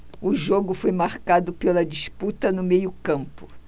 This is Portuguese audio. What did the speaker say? o jogo foi marcado pela disputa no meio campo